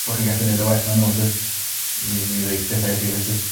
bo' chi'n gallu neud o well na n'w 'lly. Mi mi ddeith petha i chi felly.